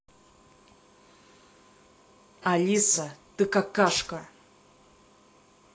алиса ты какашка